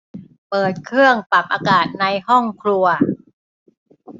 เปิดเครื่องปรับอากาศในห้องครัว